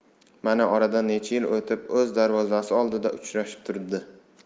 mana oradan necha yil o'tib o'z darvozasi oldida uchrashib turibdi